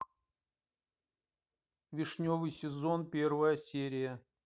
вишневый сезон первая серия